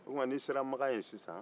o tuma n'i sera maka yen sisan